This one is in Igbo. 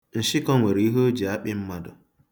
Nshịkọ nwere ihe o ji akpị mmadụ.